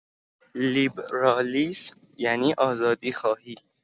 لیبرالیسم یعنی آزادی‌خواهی.